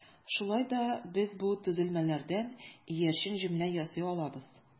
Шулай да без бу төзелмәләрдән иярчен җөмлә ясый алабыз.